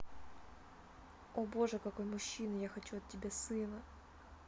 о боже какой мужчина я хочу от тебя сына